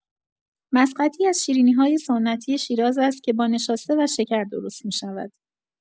مسقطی از شیرینی‌های سنتی شیراز است که با نشاسته و شکر درست می‌شود.